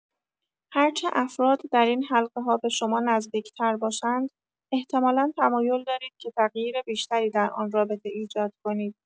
هرچه افراد در این حلقه‌ها به شما نردیک‌تر باشند، احتمالا تمایل دارید که تغییر بیشتری در آن رابطه ایجاد کنید.